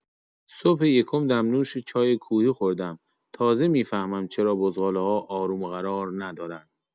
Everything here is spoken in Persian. صبح یکم دمنوش چای کوهی خوردم تازه می‌فهمم چرا بزغاله‌ها آروم و قرار ندارن!